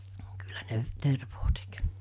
kyllä ne tervaa teki